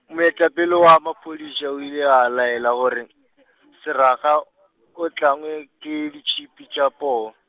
moetapele wa maphodisa o ile a laela gore, Seraga, o hlangwe ke ditšhipi tša poo.